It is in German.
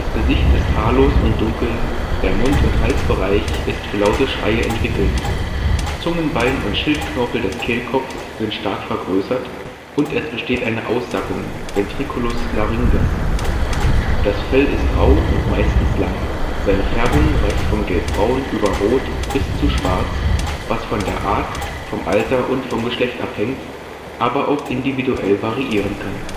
Gesicht ist haarlos und dunkel, der Mund - und Halsbereich ist für laute Schreie entwickelt: Zungenbein und Schildknorpel des Kehlkopfs sind stark vergrößert und es besteht eine Aussackung Ventriculus laryngis. Das Fell ist rau und meistens lang, seine Färbung reicht von gelbbraun über rot bis zu schwarz, was von der Art, vom Alter und vom Geschlecht abhängt, aber auch individuell variieren kann